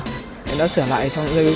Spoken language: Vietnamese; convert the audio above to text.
em đã sửa lại trong những giây